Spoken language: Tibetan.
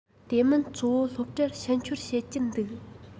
དེ མིན གཙོ བོ སློབ གྲྭར ཕྱི འབྱོར བྱེད ཀྱིན འདུག